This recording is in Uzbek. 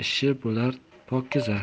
ishi bo'lar pokiza